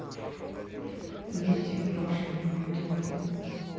нити в прошлое ютуб